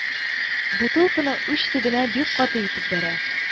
Бутылканы уч төбенә бик каты итеп бәрә